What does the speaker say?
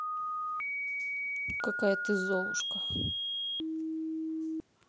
какая ты золушка